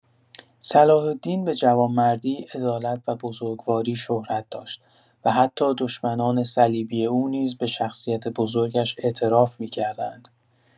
صلاح‌الدین به جوانمردی، عدالت و بزرگواری شهرت داشت و حتی دشمنان صلیبی او نیز به شخصیت بزرگش اعتراف می‌کردند.